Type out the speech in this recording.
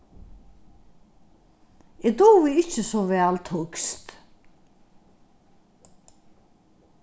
eg dugi ikki so væl týskt